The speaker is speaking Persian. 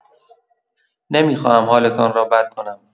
نمی‌خواهم حالتان را بد کنم.